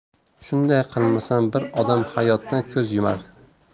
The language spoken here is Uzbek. shunday qilmasam bir odam hayotdan ko'z yumar